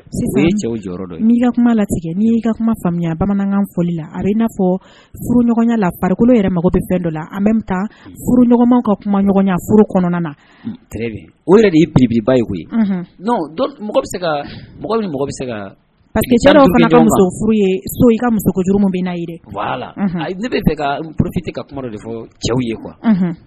Cɛw kuma latigɛ ka kuma faamuya bamanankan fɔli la a n'a fɔ furu ɲɔgɔnya la pakolo yɛrɛ mɔgɔ bɛ fɛn dɔ la an bɛ taa furu ɲɔgɔnmaw ka kuma ɲɔgɔnya furu kɔnɔna na o de ye bibbiba ye ye pa furu so i ka musojuru bɛ late ka kuma de fɔ cɛw ye kuwa